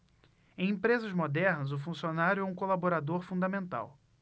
em empresas modernas o funcionário é um colaborador fundamental